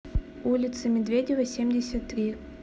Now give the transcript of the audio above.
улица медведева семьдесят три